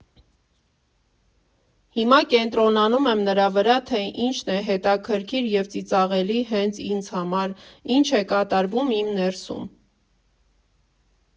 Հիմա կենտրոնանում եմ նրա վրա, թե ինչն է հետաքրքիր և ծիծաղելի հենց ինձ համար, ինչ է կատարվում իմ ներսում։